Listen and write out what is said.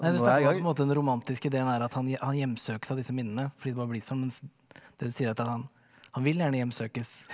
nei du snakka om på en måte den romantiske ideen er at han han hjemsøkes av disse minnene fordi det bare blir sånn, mens det du sier at han han vil gjerne hjemsøkes.